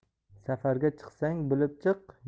safarga chiqsang bilib chiq